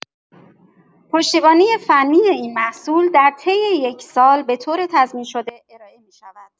پشتیبانی فنی این محصول در طی یک سال به‌طور تضمین‌شده ارائه می‌شود.